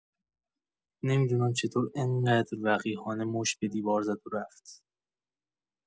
نمی‌دونم چطور انقدر وقیحانه مشت به دیوار زد و رفت!